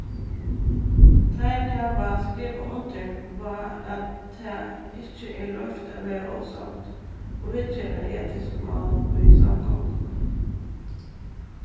teir hava skrivað undir upp á at tað ikki er loyvt at verða ósamd og viðgera etisk mál í samgonguni